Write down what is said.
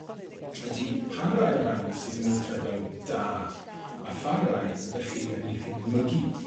ydi pa rai o rhain sydd yn weithredoedd da, a pha rai ydach chi yn 'u hedmygu?